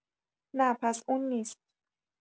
نه پس اون نیست.